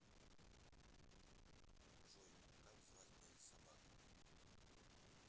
джой как звать моих собак